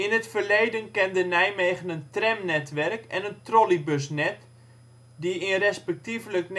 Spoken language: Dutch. het verleden kende Nijmegen een tramnetwerk en een trolleybusnet, die in respectievelijk